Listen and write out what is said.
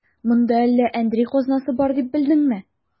Монда әллә әндри казнасы бар дип белдеңме?